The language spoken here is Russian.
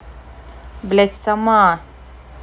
блять сама